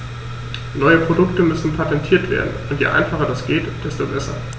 Neue Produkte müssen patentiert werden, und je einfacher das geht, desto besser.